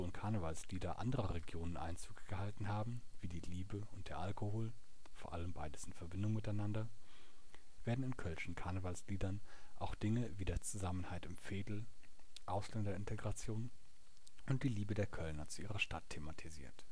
Karnevalslieder anderer Regionen Einzug gehalten haben, wie die Liebe und der Alkohol (und vor allem beides in Verbindung miteinander), werden in kölschen Karnevalsliedern auch Dinge wie der Zusammenhalt im Veedel, Ausländerintegration und die Liebe der Kölner zu ihrer Stadt thematisiert